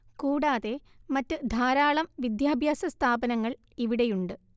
കൂടാതെ മറ്റ് ധാരാളം വിദ്യാഭ്യാസ സ്ഥാപനങ്ങള്‍ ഇവിടെയുണ്ട്